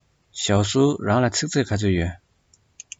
ཞའོ སུའུ རང ལ ཚིག མཛོད ག ཚོད ཡོད